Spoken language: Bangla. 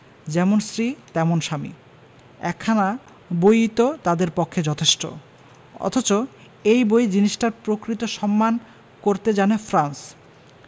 যেমন স্ত্রী তেমন স্বামী একখানা বই ই তাদের পক্ষে যথেষ্ট অথচ এই বই জিনিসটার প্রকৃত সম্মান করতে জানে ফ্রান্স